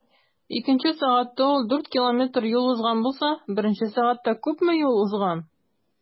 Икенче сәгатьтә ул 4 км юл узган булса, беренче сәгатьтә күпме юл узган?